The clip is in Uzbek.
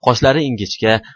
qoshlari ingichka